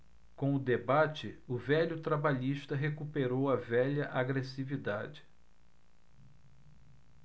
com o debate o velho trabalhista recuperou a velha agressividade